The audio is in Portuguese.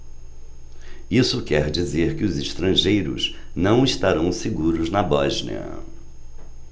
isso quer dizer que os estrangeiros não estarão seguros na bósnia